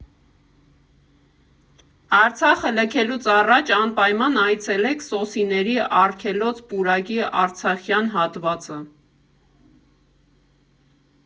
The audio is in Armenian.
Արցախը լքելուց առաջ անպայման այցելեք սոսիների արգելոց֊պուրակի արցախյան հատվածը։